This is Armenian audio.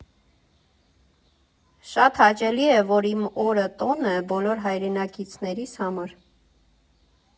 Շատ հաճելի է, որ իմ օրը տոն է բոլոր հայրենակիցներիս համար։